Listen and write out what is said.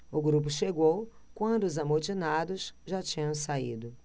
o grupo chegou quando os amotinados já tinham saído